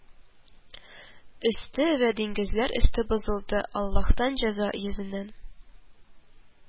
Өсте вә диңгезләр өсте бозылды, аллаһтан җәза йөзеннән